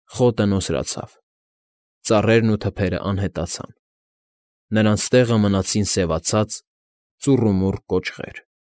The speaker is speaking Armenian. Խոտը նոսրացավ, ծառերն ու թփերը անհետացան, նրանց տեղը մնացին սևացած, ծուռումուռ կոճղեր։